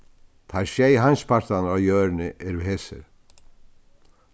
teir sjey heimspartarnir á jørðini eru hesir